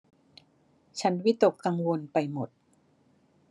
ฉันวิตกกังวลไปหมด